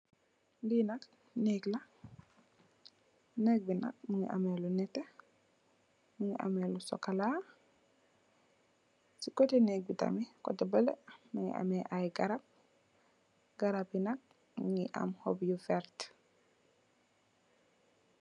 Lee nak neek la neek be nak muge ameh lu neteh muge ameh lu sukola se koteh neek be tamin koteh beleh muge ameh aye garab garab yee nak nuge am hopp yu verte.